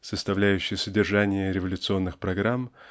составляющий содержание революционных программ